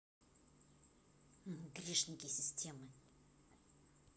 грешники системы